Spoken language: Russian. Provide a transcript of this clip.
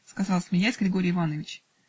-- сказал, смеясь, Григорий Иванович.